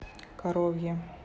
коровье